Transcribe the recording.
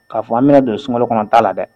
K'a fɔ anmina don sumaworo kɔnɔ'a la dɛ